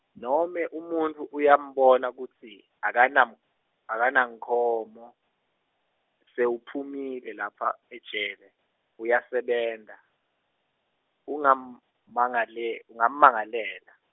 nome umuntfu uyambona kutsi, akanam-, akanankhomo, sewuphumile lapha ejele, uyasebenta, ungammangale- -mmangalela.